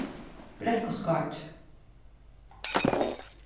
brekkuskákið